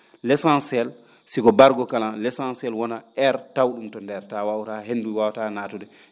l' essentiel siko bargo kalan l' essentiel wona aire taw ?um to ndeer taw wawaraa henndu waawataa